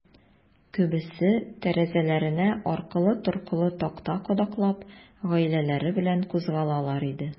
Күбесе, тәрәзәләренә аркылы-торкылы такта кадаклап, гаиләләре белән кузгалалар иде.